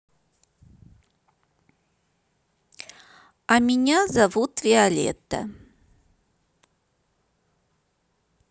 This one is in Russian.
а меня зовут виолетта